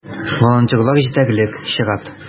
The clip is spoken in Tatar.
Волонтерлар җитәрлек - чират.